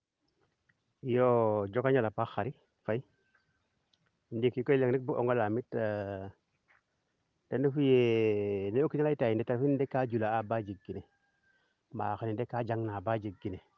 iyoo joka njal a paax Khary Faye ndiiki koy ole bug oonga laamit ten refuye ne kiina leytaaye ka juli a ba jeg kene mba xene de kaa jang na baa jeg kene